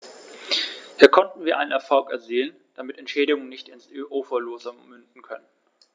Hier konnten wir einen Erfolg erzielen, damit Entschädigungen nicht ins Uferlose münden können.